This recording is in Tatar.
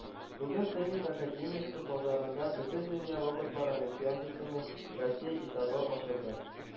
Бүген Теннис академиясе базарында Бөтендөнья роботлар олимпиадасының Россия этабы ачылды